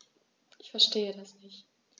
Verstehe das nicht.